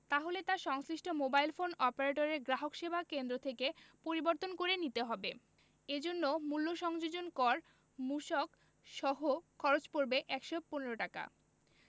তাহলে তা সংশ্লিষ্ট মোবাইল ফোন অপারেটরের গ্রাহকসেবা কেন্দ্র থেকে পরিবর্তন করে নিতে হবে এ জন্য মূল্য সংযোজন কর মূসক সহ খরচ পড়বে ১১৫ টাকা